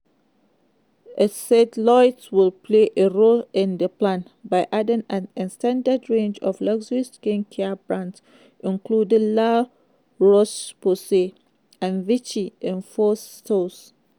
It said Lloyds would play a role in the plan, by adding an extended range of luxury skincare brands including La Roche-Posay and Vichy in four stores.